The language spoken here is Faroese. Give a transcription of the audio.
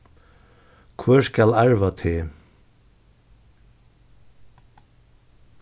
hvør skal arva teg